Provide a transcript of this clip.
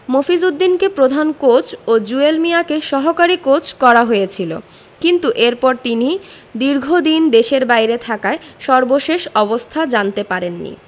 মফিজ উদ্দিনকে প্রধান কোচ ও জুয়েল মিয়াকে সহকারী কোচ করা হয়েছিল কিন্তু এরপর তিনি দীর্ঘদিন দেশের বাইরে থাকায় সর্বশেষ অবস্থা জানতে পারেননি